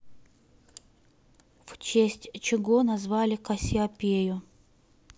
в честь чего назвали кассиопею